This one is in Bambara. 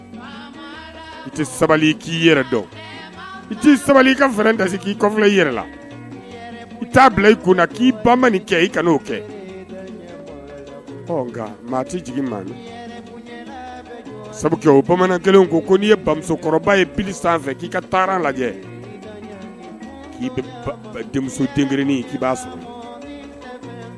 I tɛ k' i sabali i i la t' bila i k kɛ i kɛ jigin o bamanan kelen ko n'i ye ba ye bi sanfɛ k'i ka taa lajɛ denmuso deninin k'i ba